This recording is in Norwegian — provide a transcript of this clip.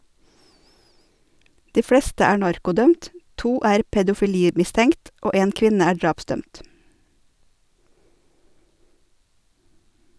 De fleste er narkodømt, to er pedofili-mistenkt og en kvinne er drapsdømt.